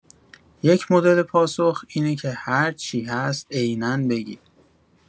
یک مدل پاسخ اینه که هر چی هست عینا بگی